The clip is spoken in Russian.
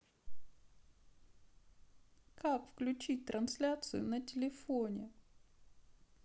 как включить трансляцию на телефоне